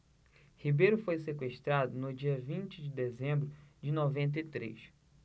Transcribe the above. ribeiro foi sequestrado no dia vinte de dezembro de noventa e três